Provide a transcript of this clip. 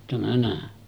tämä näin